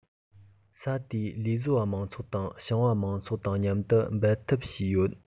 ས དེའི ལས བཟོ པ མང ཚོགས དང ཞིང པ མང ཚོགས དང མཉམ དུ འབད འཐབ བྱས ཡོད